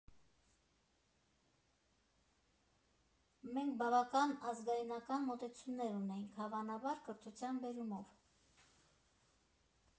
Մենք բավական ազգայնական մոտեցումներ ունեինք, հավանաբար կրթության բերումով։